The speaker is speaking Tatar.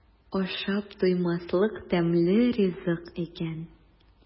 Ашап туймаслык тәмле ризык икән.